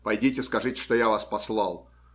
- пойдите, скажите, что я вас послал.